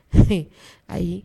Se ayi